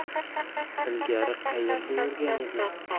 ilgari qayerda yurgan eding